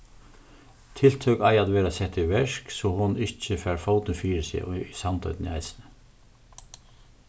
tiltøk eiga at verða sett í verk so hon ikki fær fótin fyri seg í sandoynni eisini